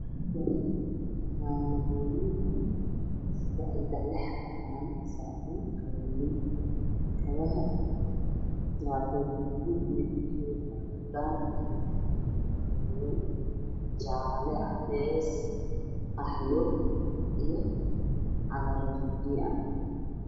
Qaanad ka kooban ilaa saddex lix qaanadood waxa saaran kabo kabaha midabkoodu waa madow wayna duuban yihiin kabaha